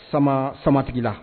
Sama sama tigila